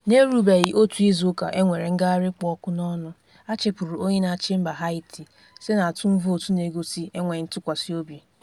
Na-erubeghi otu izu ụka e nwere ngagharị kpụ ọkụ n'ọnụ, a chịpụrụ onye na-achị mba Haiti site n'atụm votu na-egosi enweghị ntụkwasị obi.